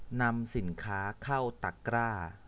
นำสินค้าเข้าตะกร้า